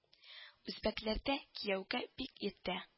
Үзбәкләрдә кияүгә бик иртә